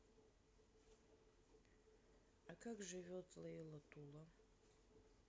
а как живет лейла тула